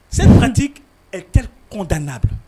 Se manti ɛ tɛ kɔntan nabila